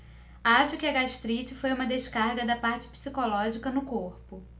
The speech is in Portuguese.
acho que a gastrite foi uma descarga da parte psicológica no corpo